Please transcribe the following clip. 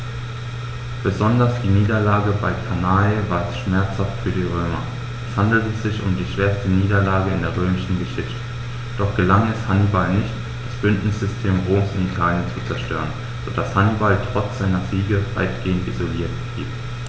Besonders die Niederlage bei Cannae war schmerzhaft für die Römer: Es handelte sich um die schwerste Niederlage in der römischen Geschichte, doch gelang es Hannibal nicht, das Bündnissystem Roms in Italien zu zerstören, sodass Hannibal trotz seiner Siege weitgehend isoliert blieb.